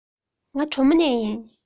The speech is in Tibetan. ང གྲོ མོ ནས ཡིན